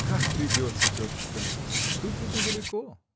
-- Как придется, тетушка: тут ведь недалеко.